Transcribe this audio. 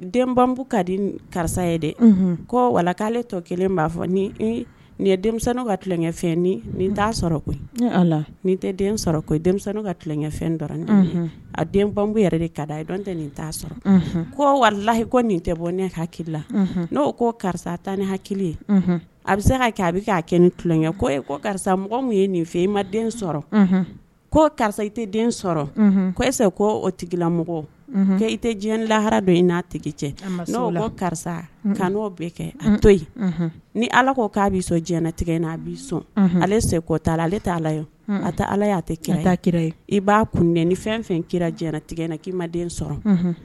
Den ban ka di karisa ye dɛ ko wala k'ale tɔ kelen b'a fɔ ni nin ye denw ka tulonlankɛ nin t' sɔrɔ nin tɛ den sɔrɔ den ka tilankɛ fɛn dɔrɔn a den ban yɛrɛ de ka ye dɔn tɛ nin t' sɔrɔ warihi nin tɛ bɔɛ hala n'o ko karisa tan ni ha ye a bɛ se ka kɛ a bɛ k' kɛ ni tulon e karisa mɔgɔ min ye nin fɛ i ma den sɔrɔ ko karisa i tɛ den sɔrɔ ko ese ko o tigilamɔgɔ' i tɛ diɲɛ lahara dɔ i n'a tigi cɛ n la karisa ka n bɛ kɛ a to yen ni ala ko k'a bɛ sɔntigɛ n a'i sɔn ale kɔta la ale tɛla a tɛ ala'a tɛta kira ye i b'a kun tɛ ni fɛn fɛn kira tigɛ na k'i ma den sɔrɔ